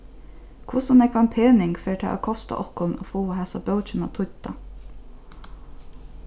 hvussu nógvan pening fer tað at kosta okkum at fáa hasa bókina týdda